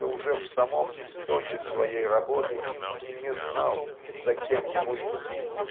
что уже в самом истоке своей работы Минский не знал за кем ему идти